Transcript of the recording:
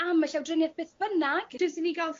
am y llawdrinieth beth bynnag. Jyst i ni ga'l